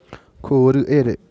ཁོ བོད རིགས འེ རེད